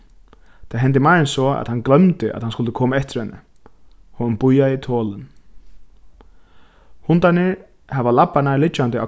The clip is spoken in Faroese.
tað hendi meir enn so at hann gloymdi at hann skuldi koma eftir henni hon bíðaði tolin hundarnir hava labbarnar liggjandi á